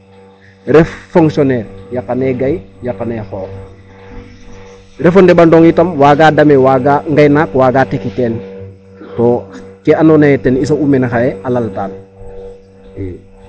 Ref fonctionnaire yaqanee gay yaqanee xoox ref o ɗeɓandong itam waaga dame waaga ngaynaak waaga teki teen to ke andoona yee ten i soɓu mene xaye a laltan.